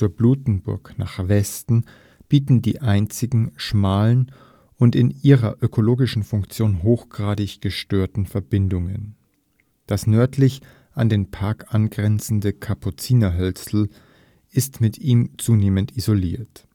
Blutenburg nach Westen bieten die einzigen, schmalen und in ihrer ökologischen Funktion hochgradig gestörten Verbindungen. Das nördlich an den Park angrenzende Kapuzinerhölzl ist mit ihm zusammen isoliert